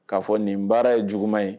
K'a fɔ nin baara ye juguman ye